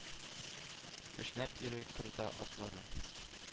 Кешнәп йөри кырда атлары,